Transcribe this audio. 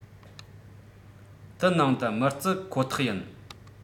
དི ནང དུ མི བརྩི ཁོ ཐག ཡིན